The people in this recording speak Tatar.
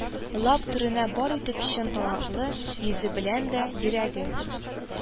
Лап түренә бары тик чын талантлы, йөзе белән дә, йөрәге